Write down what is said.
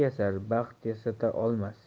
yasar baxt yasata olmas